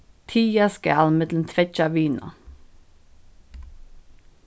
tiga skal millum tveggja vina